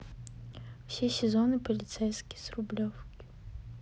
все сезоны полицейский с рублевки